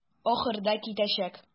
Ахырда китәчәк.